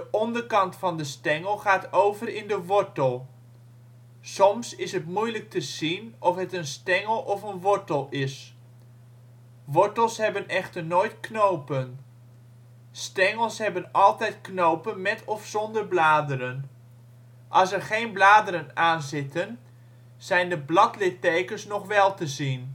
onderkant van de stengel gaat over in de wortel. Soms is het moeilijk te zien of het een stengel of een wortel is. Wortels hebben echter nooit knopen. Stengels hebben altijd knopen met of zonder bladeren. Als er geen bladeren aanzitten zijn de bladlittekens nogwel te zien